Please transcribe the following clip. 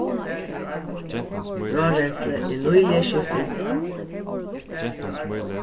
frárenslið er nýliga skift út